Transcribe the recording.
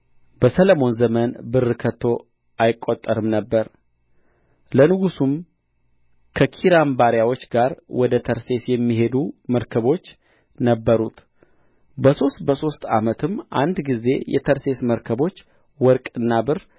በሰሎሞን ዘመን ብር ከቶ አይቈጠርም ነበር ለንጉሡም ከኪራም ባሪያዎች ጋር ወደ ተርሴስ የሚሄዱ መርከቦች ነበሩት በሦስት በሦስት ዓመትም አንድ ጊዜ የተርሴስ መርከቦች ወርቅና ብር